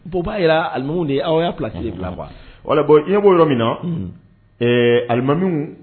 Donc o b'a jira almamiw de, aw y'aw places bila, quoi wala bon i ɲɛ b'o yɔrɔ min na alimamiw